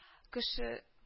Кеше